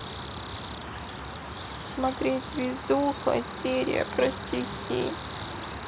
смотреть везуха серия про стихи